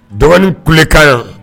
Dɔgɔnin kulekan yan